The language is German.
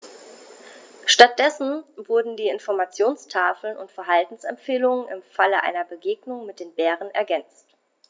Stattdessen wurden die Informationstafeln um Verhaltensempfehlungen im Falle einer Begegnung mit dem Bären ergänzt.